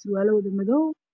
sarwalo wada maodow